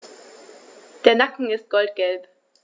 Der Nacken ist goldgelb.